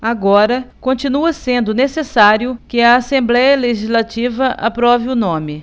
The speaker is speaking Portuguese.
agora continua sendo necessário que a assembléia legislativa aprove o nome